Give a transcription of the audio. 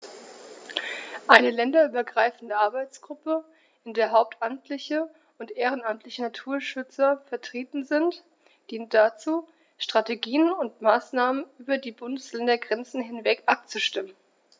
Eine länderübergreifende Arbeitsgruppe, in der hauptamtliche und ehrenamtliche Naturschützer vertreten sind, dient dazu, Strategien und Maßnahmen über die Bundesländergrenzen hinweg abzustimmen.